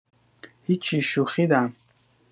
هیچی شوخیدم